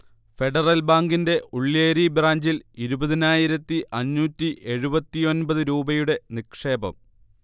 federal ബാങ്കിൻെറ ഉള്ള്യേരി ബ്രാഞ്ചിൽ ഇരുപതിനായിരത്തി അഞ്ഞൂറ്റി എഴുപത്തിയൊൻപത് രൂപയുടെ നിക്ഷേപം